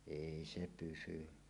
ei se pysy